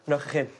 Mwynewch 'ych 'un.